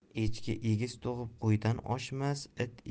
echki egiz tug'ib qo'ydan oshmas